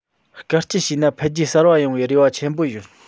དཀའ སྤྱད བྱས ན འཕེལ རྒྱས གསར པ ཡོང བའི རེ བ ཆེན པོ ཡོད